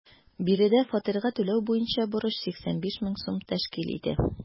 Биредә фатирга түләү буенча бурыч 85 мең сум тәшкил итә.